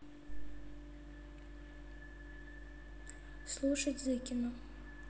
слушать зыкину